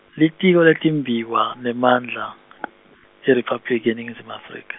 Litiko leTimbiwa, nemandla , IRiphabliki yeNingizimu Afrika.